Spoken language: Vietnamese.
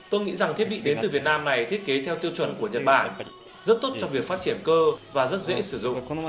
tôi nghĩ rằng thiết bị đến từ việt nam này thiết kế theo tiêu chuẩn của nhật bản rất tốt cho việc phát triển cơ và rất dễ sử dụng